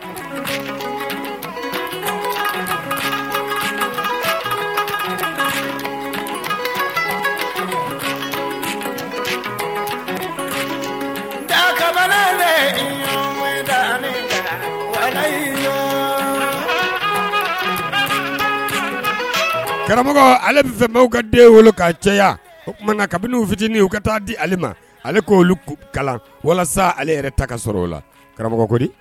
Karamɔgɔ ale bɛ fɛ mɔgɔw ka den wolo k'a caya o tuma kabiniw fitinin u ka taa di ale ma ale ko olu kalan walasa ale yɛrɛ ta ka sɔrɔ o la karamɔgɔ